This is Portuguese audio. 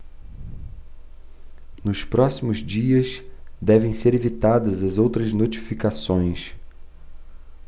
nos próximos dias devem ser enviadas as outras notificações